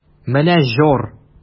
Менә җор!